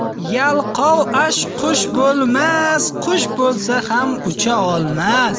yalqov ash qush bo'lmas qush bo'lsa ham ucha olmas